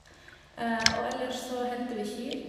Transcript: Og ellers så henter vi kyr.